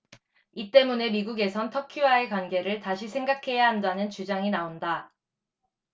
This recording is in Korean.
이 때문에 미국에선 터키와의 관계를 다시 생각해야 한다는 주장이 나온다